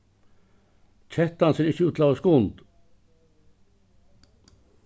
kettan sær ikki út til at hava skund